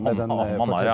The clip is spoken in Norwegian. om han har ja.